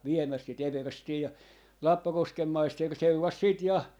viemässä sitä everstiä ja Lappakosken maisteri seurasi sitten ja